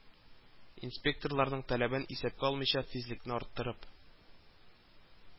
Инспекторларның таләбен исәпкә алмыйча, тизлекне арттырып